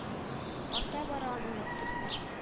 Арта бары аның яктысы.